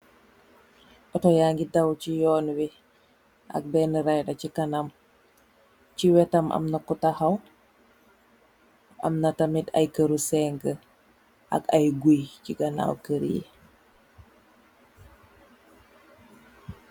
Auto yange daw ci yon bi ak benna raider ci kanam chi wettam amnah kou tahaw amnah tammet aye kerr you tahaw fof ak aye goui